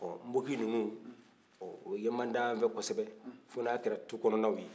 ɔ npogi ninnu ɔ o ye man di an fɛ kɔsɛbɛ fɔ n'a kɛra tukɔnɔnaw ye